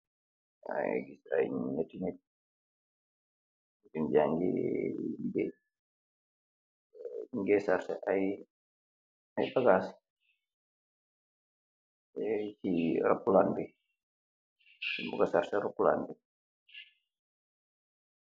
Aye nite la youye bouga douga cii Aeroplan bi